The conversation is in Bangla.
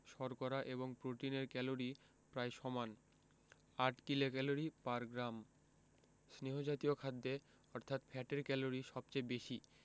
শর্করা এবং প্রোটিনের ক্যালরি প্রায় সমান ৮ কিলোক্যালরি পার গ্রাম স্নেহ জাতীয় খাদ্যে অর্থাৎ ফ্যাটের ক্যালরি সবচেয়ে বেশি